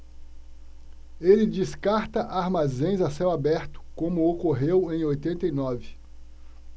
ele descarta armazéns a céu aberto como ocorreu em oitenta e nove